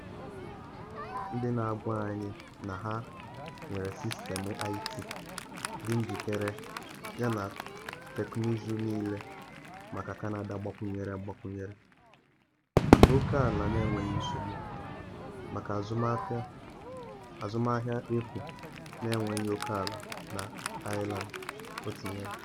‘Enwere ndị mmadụ ndị na agwa anyị na ha nwere sistemụ IT dị njikere yana teknụzụ niile maka Canada gbakwunyere gbakwunyere, maka oke ala na enweghị nsogbu, maka azụmahịa efu na enweghị oke ala na Ireland,’ o tinyere.